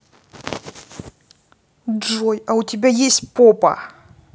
джой а у тебя есть попа